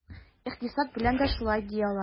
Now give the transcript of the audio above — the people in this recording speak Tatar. Икътисад белән дә шулай, ди алар.